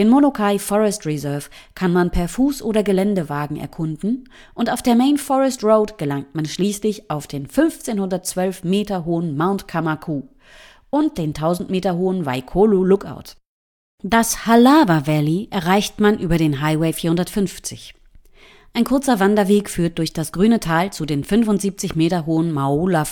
Molokaʻi Forest Reserve kann man per Fuß oder Geländewagen erkunden und auf der Main Forest Road gelangt man schließlich auf den 1512 m hohen Mt. Kamakou und den 1000 m hohen Waikolu Lookout. Das Hālawa Valley erreicht man über den Highway 450. Ein kurzer Wanderweg führt durch das grüne Tal zu den 75 m hohen Moaula